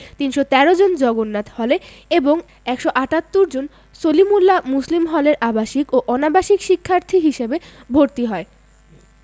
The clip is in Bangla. ৩১৩ জন জগন্নাথ হলে এবং ১৭৮ জন সলিমুল্লাহ মুসলিম হলের আবাসিক ও অনাবাসিক শিক্ষার্থী হিসেবে ভর্তি হয়